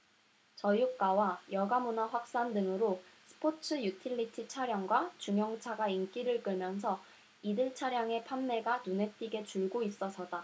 저유가와 여가문화 확산 등으로 스포츠유틸리티차량과 중형차가 인기를 끌면서 이들 차량의 판매가 눈에 띄게 줄고 있어서다